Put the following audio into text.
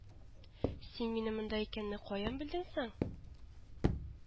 Син минем монда икәнне каян белдең соң